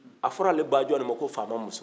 a fɔra ale bajɔni ma ko faama muso